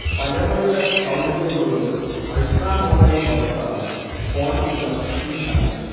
പഴമയുടെ സൗന്ദര്യമുള്ളൊരു അൾട്രാമോഡേൺ ബൈക്കാണ് ബോൺവില്ല ടി ഹൺ‍ഡ്രഡ്